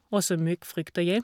Og så mygg, frykter jeg.